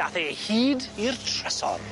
dath e hyd i'r trysor.